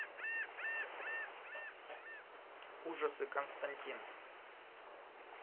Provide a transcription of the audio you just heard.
ужасы константин